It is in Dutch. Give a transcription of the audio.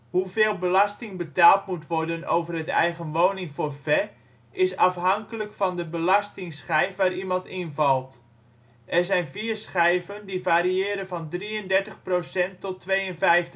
Hoeveel belasting betaald moet worden over het eigenwoningforfait is afhankelijk van de belastingschijf waar iemand in valt. Er zijn vier schijven die variëren van 33 % tot 52 %